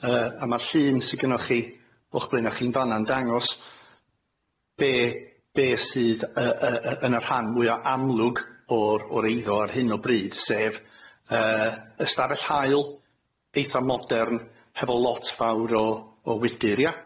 Yy a ma'r llun sy gynnoch chi o'ch blaen a chi'n fan'na'n dangos be' be' sydd yy yy yy yn y rhan mwya' amlwg o'r o'r eiddo ar hyn o bryd sef yy ystafell haul eitha' modern hefo lot fawr o o wydyr ia?